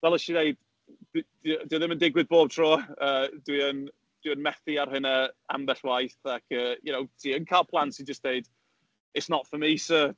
Fel wnes i ddeud, dwi... dio ddim yn digwydd bob tro. Yy, dwi yn dwi yn methu ar hynna ambell waith ac yy you know ti yn cal plant sy'n jyst deud it's not for me sir.